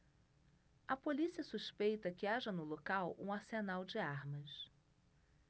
a polícia suspeita que haja no local um arsenal de armas